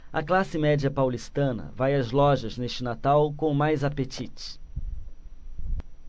a classe média paulistana vai às lojas neste natal com mais apetite